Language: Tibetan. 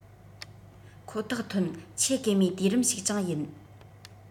ཁོ ཐག ཐོན ཆེ གེ མོས དུས རིམ ཞིག ཀྱང ཡིན